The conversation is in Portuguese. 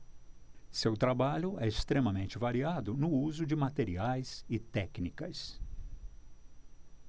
seu trabalho é extremamente variado no uso de materiais e técnicas